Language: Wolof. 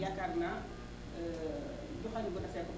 yaakaar naa doxalin bu refet